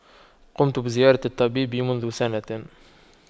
قمت بزيارة الطبيب منذ سنة